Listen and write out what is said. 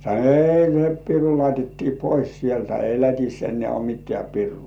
sanoi ei se piru laitettiin pois sieltä ei Lätissä enää ole mitään pirua